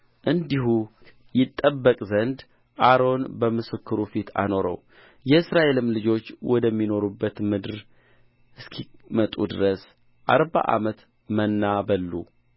እንዲሁ ይጠበቅ ዘንድ አሮን በምስክሩ ፊት አኖረው የእስራኤልም ልጆች ወደሚኖሩባት ምድር እስኪመጡ ድረስ አርባ ዓመት መና በሉ